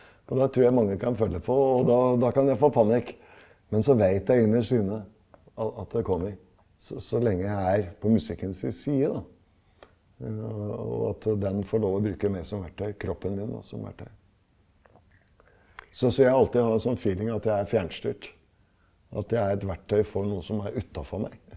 og det trur jeg mange kan føle på og da da kan jeg få panikk, men så veit jeg innerst inne at det kommer så så lenge jeg er på musikken sin side da, og at den får lov å bruke med som verktøy kroppen min da som verktøy, så så jeg alltid hatt en sånn feeling at jeg er fjernstyrt, at jeg er et verktøy for noe som er utafor meg.